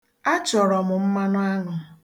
Achọrọ m mmanụaṅụ.